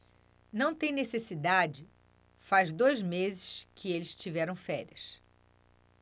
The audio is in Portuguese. não tem necessidade faz dois meses que eles tiveram férias